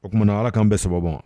O kumana allah k'an bɛ sabaaba ma.